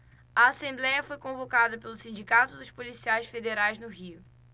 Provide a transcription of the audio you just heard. a assembléia foi convocada pelo sindicato dos policiais federais no rio